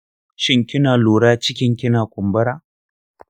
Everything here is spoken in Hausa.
shin kina lura cikinki na kumbura?